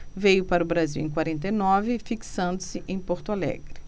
veio para o brasil em quarenta e nove fixando-se em porto alegre